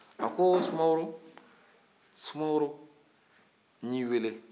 a ko sumaworo sumaworo n y'i wele